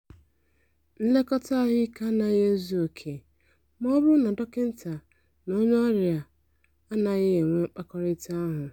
"Nlekọta ahụike anaghị ezughị oke ma ọ bụrụ na dọkịta na onye ọrịa anaghị enwe mkpakọrịta ahụ.